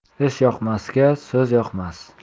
ishyoqmasga so'z yoqmas